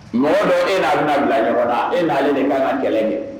Mɔgɔ bɛ e n'a bɛna bila ɲɔgɔn na e n'aale de ka ka gɛlɛn ye